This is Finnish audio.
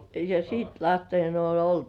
ja siitä lähtien on oltu